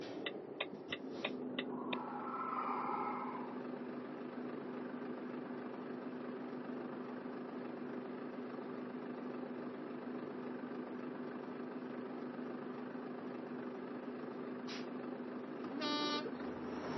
Waa meel hool ah dad ayaa fadhiyo kuraas ayey ku fadhiyaan waxaa darbiyada waa jaamacdaan